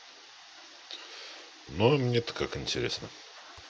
ну а мне то как интересно